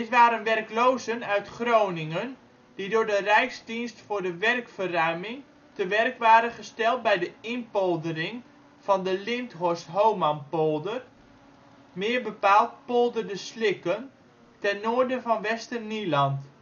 waren werklozen uit Groningen die door de Rijksdienst voor de Werkverruiming te werk waren gesteld bij de inpoldering van de Linthorst Homanpolder, meer bepaald ' Polder de Slikken ' ten noorden van Westernieland